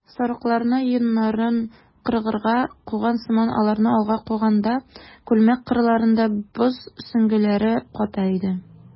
Сарыкларны йоннарын кыркырга куган сыман аларны алга куганда, күлмәк кырларында боз сөңгеләре ката иде.